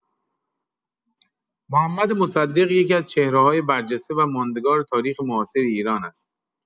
محمد مصدق یکی‌از چهره‌های برجسته و ماندگار تاریخ معاصر ایران است.